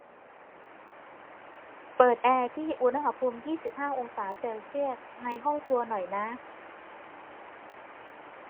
เปิดแอร์ที่อุณหภูมิยี่สิบห้าองศาเซลเซียสในห้องครัวหน่อยนะ